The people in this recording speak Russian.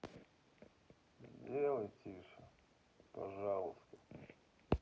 сделай тише пожалуйста